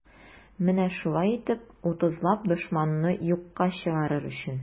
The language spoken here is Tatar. Менә шулай итеп, утызлап дошманны юкка чыгарыр өчен.